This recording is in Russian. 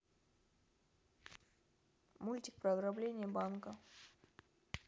мультики про ограбление банка